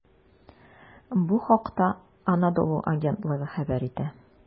Бу хакта "Анадолу" агентлыгы хәбәр итә.